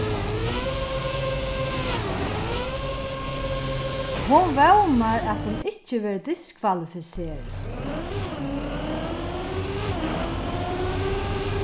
hon vónar at hon ikki verður diskvalifiserað